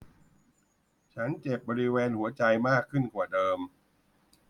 ฉันเจ็บบริเวณหัวใจมากขึ้นกว่าเดิม